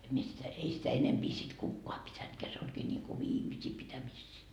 en minä sitä ei sitä enempi sitten kukaan pitänytkään se olikin niin kuin viimeisiä pitämisiä